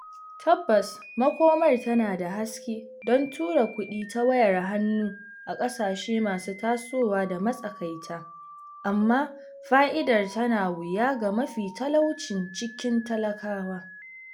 Tabbas makomar tana da haske don tura kuɗi ta wayar hannu a ƙasashe masu tasowa da matsakaita, amma fa’idar tana da wuya ga mafi talaucin cikin talakawa.